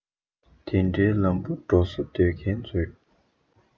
དེ འདྲའི ལམ དུ འགྲོ བཟོ སྡོད མཁས མཛོད